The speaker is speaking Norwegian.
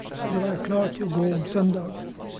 For å være klar til å gå om søndagen.